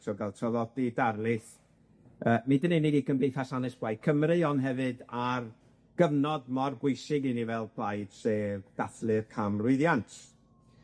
o ga'l traddodi darlith yy nid yn unig i Gymdeithas Hanes Plaid Cymru ond hefyd ar gyfnod mor bwysig i ni fel plaid, sef dathlu'r canmlwyddiant.